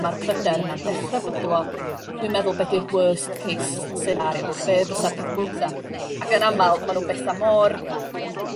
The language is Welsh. ma'r pryder 'na'n dechra byblo dwi'n meddwl be' 'di'r worst case scenario be' fysa'r peth gweitha. Ac yn amal ma' nhw'n betha mor